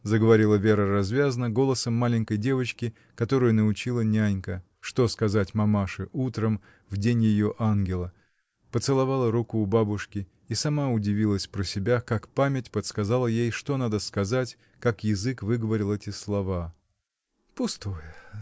— заговорила Вера развязно, голосом маленькой девочки, которую научила нянька, что сказать мамаше утром в день ее ангела, поцеловала руку у бабушки, — и сама удивилась про себя, как память подсказала ей, что надо сказать, как язык выговорил эти слова! — Пустое!